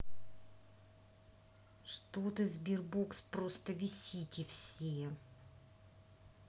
что ты sberbox просто висите все